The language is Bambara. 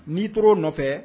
Ni t'ar'o nɔfɛ